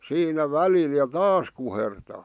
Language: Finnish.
siinä välillä ja taas kuhertaa